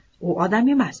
u odam emas